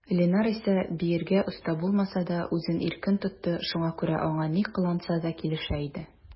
Линар исә, биергә оста булмаса да, үзен иркен тотты, шуңа күрә аңа ни кыланса да килешә иде.